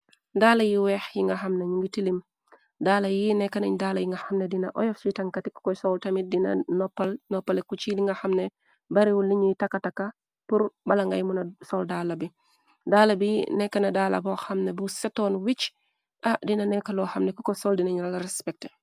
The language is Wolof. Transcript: Daala yi weex yi nga xamnañu ngi tilim daala yi nekknañ daala yi nga xamne dina oyositankati ko koy sool tamit dina noppale ku ci li nga xamne barewul liñuy takataka tur bala ngay muna sol daala bi daala bi nekkna daala bo xamne bu seton wicc dina nekkloo xamne ko ko sol dinañural respekte.